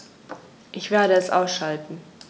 Ich werde es ausschalten